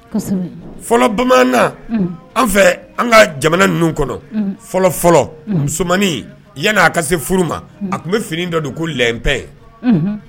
Fɔlɔ bamanan an fɛ an ka jamana ninnu kɔnɔ fɔlɔ fɔlɔ musomannin yana ka se furu ma a tun bɛ fini dɔ don ko p